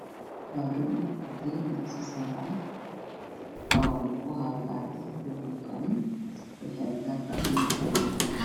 Waa gabdho dugsi sare dhigto waxay gacanta ku hayaan buugga qalin waxay wataan dhar racdaan